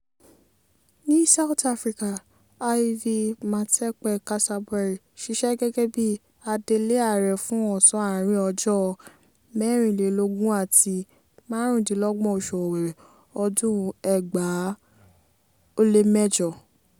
Ní South Africa, Ivy Matsepe-Cassaburi, ṣiṣẹ́ gẹ́gẹ́ bíi adelé ààrẹ fún ọ̀sán àárín ọjọ́ 24 àti 25 oṣù Ọ̀wẹ̀wẹ̀, ọdún 2008.